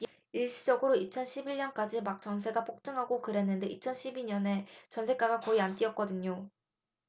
일시적으로 이천 십 일 년까지 막 전세가 폭등하고 그랬는데 이천 십 이 년에 전세가가 거의 안 뛰었거든요